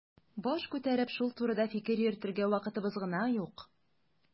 Баш күтәреп шул турыда фикер йөртергә вакытыбыз гына юк.